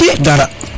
dara